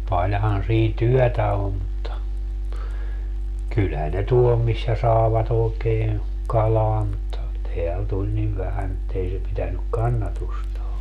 paljonhan siinä työtä on mutta kyllähän ne tuolla missä saivat oikein kalaa mutta täällä tuli niin vähän että ei se pitänyt kannatustaan